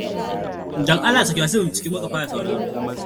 Don Allah sauke Masu bincike kuma ka fara sauraro.'